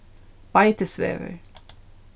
beitisvegur